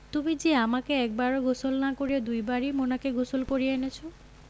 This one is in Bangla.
তুমি যে আমাকে একবারও গোসল না করিয়ে দুইবারই মোনাকে গোসল করিয়ে এনেছো